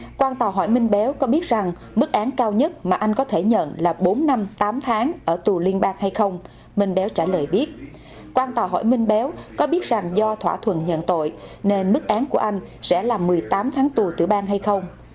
quan tòa hỏi minh béo có biết rằng mức án cao nhất mà anh có thể nhận là bốn năm tám tháng ở tù liên bang hay không mình béo trả lời biết quan tòa hỏi minh béo có biết rằng do thỏa thuận nhận tội nên mức án của anh sẽ là mười tám tháng tù tiểu bang hay không